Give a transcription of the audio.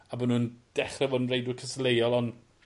A bo' nw'n dechre fod yn reidwyr cystadleuol on'